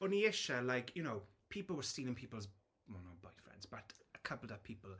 O'n ni isie like, you know people were stealing people's... well not boyfriends, but coupled up people.